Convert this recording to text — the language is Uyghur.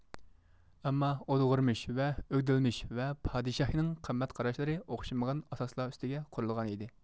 ئەمما ئودغۇرمىش ۋە ئۆگدۈلمىش ۋە پادىشاھنىڭ قىممەت قاراشلىرى ئوخشىمىغان ئاساسلار ئۈستىگە قۇرۇلغانىدى